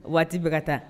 Waati bɛ ka taa